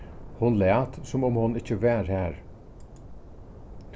hon læt sum um hon ikki var har